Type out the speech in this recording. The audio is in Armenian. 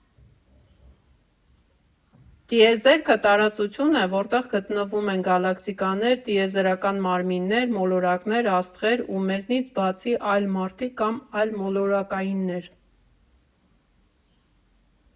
Տիեզերքը տարածություն է, որտեղ գտնվում են գալակտիկաներ, տիեզերական մարմիններ, մոլորակներ աստղեր, ու մեզնից բացի այլ մարդիկ կամ այլմոլորակայիններ։